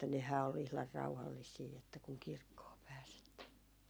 että nehän oli ihan rauhallisia että kun kirkkoon pääsi että